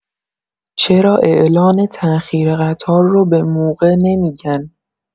چرا اعلان تاخیر قطار رو به‌موقع نمی‌گن؟!